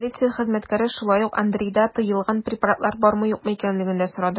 Полиция хезмәткәре шулай ук Андрейда тыелган препаратлар бармы-юкмы икәнлеген дә сорады.